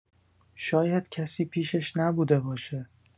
شاید کسی پیشش نبوده باشه